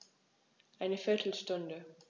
Eine viertel Stunde